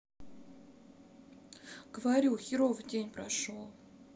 говорю херовый день прошел